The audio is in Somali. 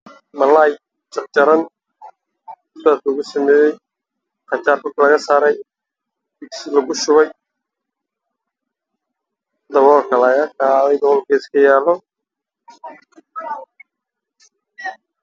malay la kariyay oo lagu riday digsi oo daboolka laga qaaday oo carfayo